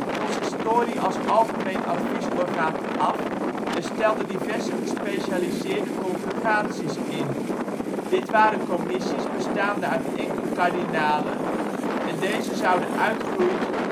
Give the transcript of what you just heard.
consistorie als algemeen adviesorgaan af en stelde diverse gespecialiseerde congregaties in. Dit waren commissies bestaande uit enkele kardinalen en deze zouden uitgroeien tot de " ministeries